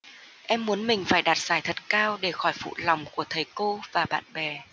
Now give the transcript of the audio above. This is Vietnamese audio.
em muốn mình phải đạt giải thật cao để khỏi phụ lòng của thầy cô và bạn bè